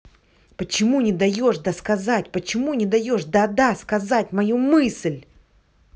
почему не даешь да сказать почему не даешь да да сказать мою мысль